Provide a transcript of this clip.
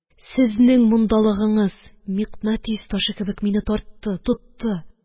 Сезнең мондалыгыңыз микънатис ташы кеби мине тартты, тотты.